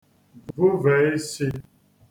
vuvè ishī